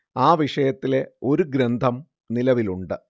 ആ വിഷയത്തിലെ ഒരു ഗ്രന്ഥം നിലവിലുണ്ട്